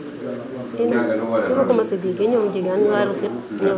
nee naa la waa fi ma ko mos a déggee ñoom Diegane waa réseau ñoom